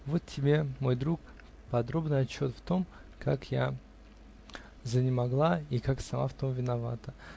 Вот тебе, мой друг, подробный отчет в том, как я занемогла и как сама в том виновата.